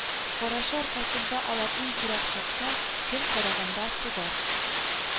Карашы аркасында алар иң кирәк чакта, көн кадагына сугар